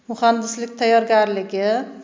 muhandislik tayyorgarligi